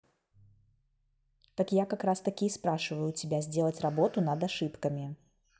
так я как раз таки и спрашиваю у тебя сделать работу над ошибками